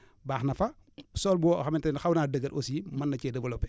baax na fa sol boo xamante ne xaw naa dëgër aussi mën na cee développer